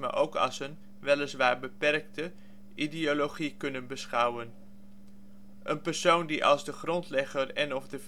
ook als een, weliswaar beperkte, ideologie kunnen beschouwen. Een persoon die als de grondlegger en/of de